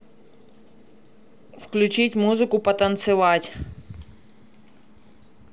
включи музыку потанцевать